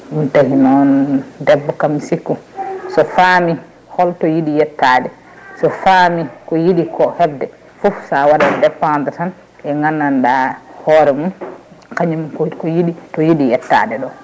ɗum tagui noon debbo kam mi sikku so faami holto yiiɗi yettade so faami ko yiiɗi ko hebde foof sa waɗa dépendre tan e gandanɗa hoore mum kañum ko yiiɗi to yiiɗi yettade ɗo